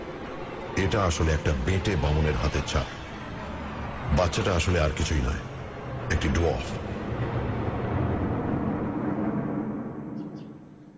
এটা আসলে একটা বেঁটে বামনের হাতের ছাপ বাচ্চাটা আসলে আর কিছুই না একটি ডোয়ার্ফ